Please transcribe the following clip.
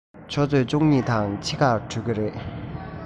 ཆུ ཚོད བཅུ གཉིས དང ཕྱེད ཀར གྲོལ གྱི རེད